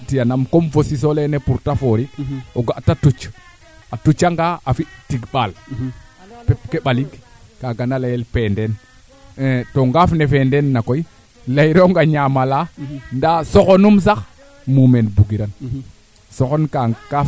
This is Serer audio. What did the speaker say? d' accord foogum nu ndeyee aussi no ngooxa no ɓasi kaaf areer xaóa nuna mbokata teen a ñaawiin a ñaaw fo fasaɓiin keene yiin mais xaƴna a ñaaw wala fasaɓ tape duufe lum tape na tuufa ke wala boogen ndax boog nama demo'ooru